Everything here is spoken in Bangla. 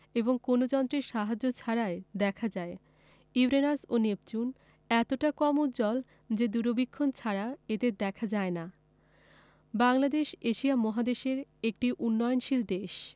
এবং কোনো যন্ত্রের সাহায্য ছাড়াই দেখা যায় ইউরেনাস ও নেপচুন এতটা কম উজ্জ্বল যে দূরবীক্ষণ ছাড়া এদের দেখা যায় না বাংলাদেশ এশিয়া মহাদেশের একটি উন্নয়নশীল দেশ